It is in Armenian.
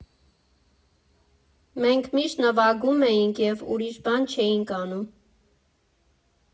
Մենք միշտ նվագում էինք և ուրիշ բան չէինք անում։